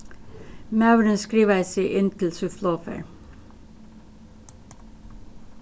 maðurin skrivaði seg inn til sítt flogfar